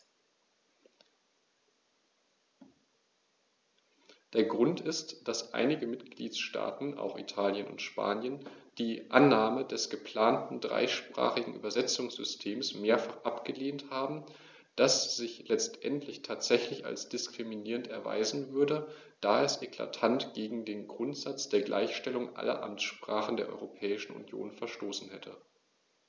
Der Grund ist, dass einige Mitgliedstaaten - auch Italien und Spanien - die Annahme des geplanten dreisprachigen Übersetzungssystems mehrfach abgelehnt haben, das sich letztendlich tatsächlich als diskriminierend erweisen würde, da es eklatant gegen den Grundsatz der Gleichstellung aller Amtssprachen der Europäischen Union verstoßen hätte.